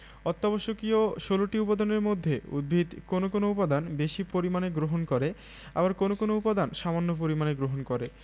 অত্যাবশ্যকীয় ১৬ টি উপাদানের মধ্যে উদ্ভিদ কোনো কোনো উপাদান বেশি পরিমাণে গ্রহণ করে আবার কোনো কোনো উপাদান সামান্য পরিমাণে গ্রহণ করে